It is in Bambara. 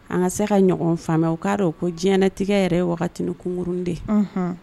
An ka se ka ɲɔgɔn faamuya o k'a dɔn ko diɲɛɛtigɛ yɛrɛ ye wagati kunurun de